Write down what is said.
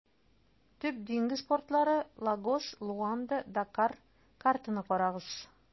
Төп диңгез портлары - Лагос, Луанда, Дакар (картаны карагыз).